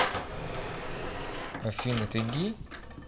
афина ты гей